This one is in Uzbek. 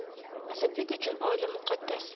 asadbek uchun oila muqaddas